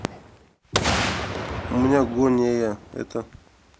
у меня гоняя это